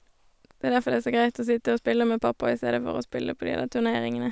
Det er derfor det er så greit å sitte og spille med pappa i stedet for å spille på de der turneringene.